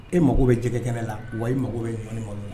E mako bɛ jɛgɛ kɛnɛ la wa mako bɛ ɲuman mako la